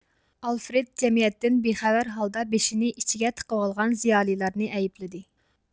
ئالفرېد جەمئىيەتتىن بىخەۋەر ھالدا بېشىنى ئىچىگە تىقىۋالغان زىيالىيلارنى ئەيىپلىدى